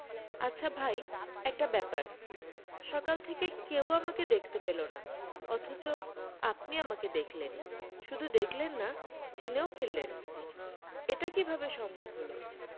আচ্ছা ভাই একটা ব্যাপার সকাল থেকে কেউ আমাকে দেখতে পেল না অথচ আপনি আমাকে দেখলেন শুধু দেখলেন না চিনেও ফেললেন এটা কীভাবে সম্ভব হলো